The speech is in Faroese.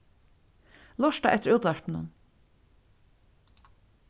lurta eftir útvarpinum